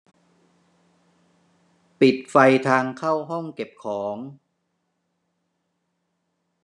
ปิดไฟทางเข้าห้องเก็บของ